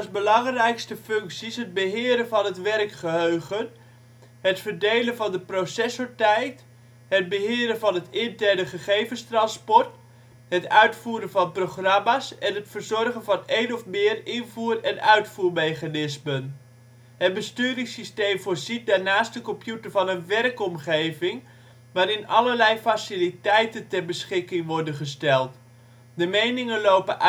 belangrijkste functies het beheren van het werkgeheugen, het verdelen van de processortijd, het beheren van het interne gegevenstransport, het uitvoeren van programma 's, en het verzorgen van een of meer invoer - en uitvoermechanismen. Het besturingssysteem voorziet daarnaast de computer van een werkomgeving waarin allerlei faciliteiten ter beschikking worden gesteld. De meningen lopen